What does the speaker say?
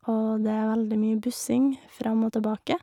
Og det er veldig mye bussing fram og tilbake.